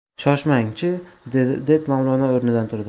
shoshmang chi deb mavlono o'rnidan turdi